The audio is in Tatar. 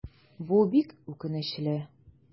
Бу бик үкенечле.